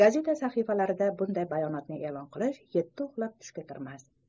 gazeta sahifalarida bunday bayonotni e'lon qilish yetti uxlab tushga kirmas